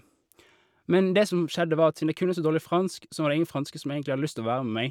Men det som skjedde, var at siden jeg kunne så dårlig fransk, så var det ingen franske som egentlig hadde lyst å være med meg.